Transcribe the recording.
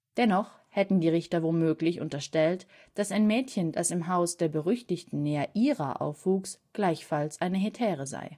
Dennoch hätten die Richter womöglich unterstellt, dass ein Mädchen, das im Haus der berüchtigten Neaira aufwuchs, gleichfalls eine Hetäre sei